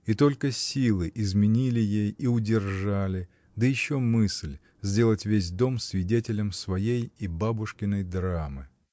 И только силы изменили ей и удержали, да еще мысль — сделать весь дом свидетелем своей и бабушкиной драмы.